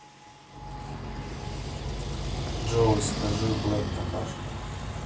джой скажи black какашка